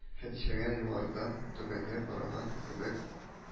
Хәдичәгә югарыдан түбәнгә караган кебек